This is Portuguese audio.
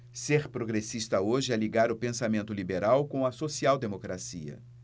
ser progressista hoje é ligar o pensamento liberal com a social democracia